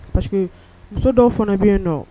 Pa muso dɔw fana bɛ dɔn